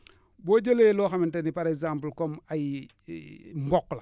boo jëlee loo xamante ni par exemple comme ay mboq la